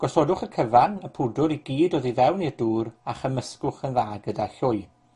Gosodwch y cyfan, y pwdwr i gyd oddi fewn i'r dŵr, a chymysgwch yn dda gyda llwy.